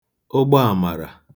ụgbọ àmàrà